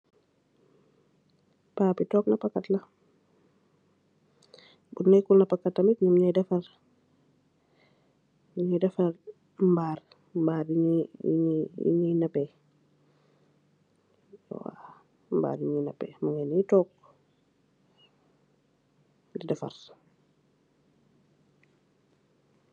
Paa bi toog napakat la, bu nékut napakat tamit mungee defar mbaal yu ñuy napee. Waaw, mbaal yu ñyuy napee, mungi nii toog, di defar.